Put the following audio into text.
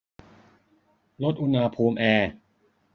ลดอุณหภูมิแอร์